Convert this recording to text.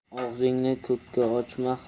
og'zingni ko'kka ochma